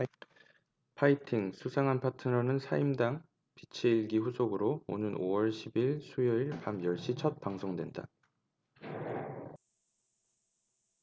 파이팅 수상한 파트너는 사임당 빛의 일기 후속으로 오는 오 월 십 일 수요일 밤 열 시 첫 방송된다